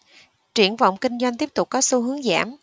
triển vọng kinh doanh tiếp tục có xu hướng giảm